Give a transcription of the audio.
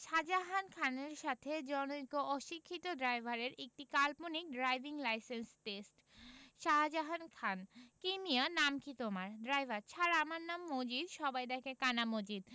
শাজাহান খানের সাথে জনৈক অশিক্ষিত ড্রাইভারের একটি কাল্পনিক driving licence test Shajahan Khan কি মিয়া নাম কি তোমার ড্রাইভার ছার আমার নাম মজিদ সবাই ডাকে কানা মজিদ